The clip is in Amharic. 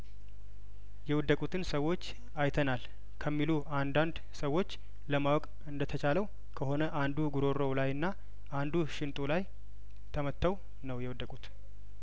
የወደቁትን ሰዎች አይተናል ከሚሉ አንዳንድ ሰዎች ለማወቅ እንደተቻለው ከሆነ አንዱ ጉሮሮው ላይ ና አንዱ ሽንጡ ላይ ተመተው ነው የወደቁት